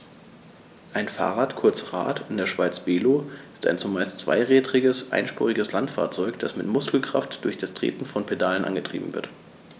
Ein Fahrrad, kurz Rad, in der Schweiz Velo, ist ein zumeist zweirädriges einspuriges Landfahrzeug, das mit Muskelkraft durch das Treten von Pedalen angetrieben wird.